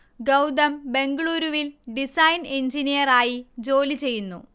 ഗൗതം ബെംഗളൂരുവിൽ ഡിസൈൻ എൻജിനീയറായി ജോലിചെയ്യുന്നു